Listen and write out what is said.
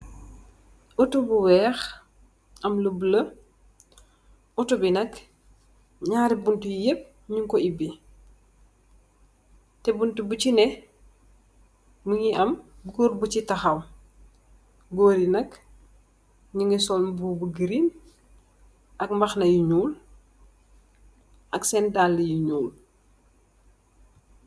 Buntu bu wekh amlu bulah buntu bi nak nyarr yep nyung ku ibeh ta bunto bu neh munge am goor gusi takhaw goor yi nak nyunge sul lu green ak mbakha na yu wekh ak sen daluh yu nyul